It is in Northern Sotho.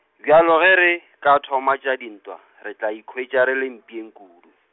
bjalo ge re ka thoma tša dintwa, re tla ikhwetša re le mpšeng kudu.